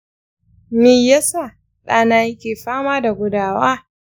me yasa ɗana yake fama da gudawa?